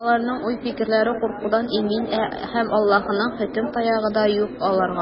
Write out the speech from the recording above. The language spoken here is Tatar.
Аларның уй-фикерләре куркудан имин, һәм Аллаһының хөкем таягы да юк аларга.